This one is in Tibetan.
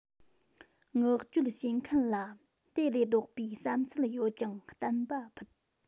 མངགས བཅོལ བྱེད མཁན ལ དེ ལས ལྡོག པའི བསམ ཚུལ ཡོད ཅིང བསྟན པ ཕུད